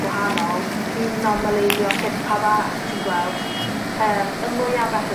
gwahanol, i normaleiddio cyrff pawb arall ti'n gweld? Hmm. Yym y mwya bethe